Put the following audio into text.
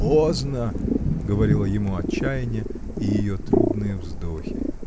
Поздно!” — говорило ему отчаяние и ее трудные вздохи.